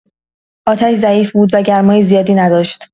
آتش ضعیف بود و گرمای زیادی نداشت.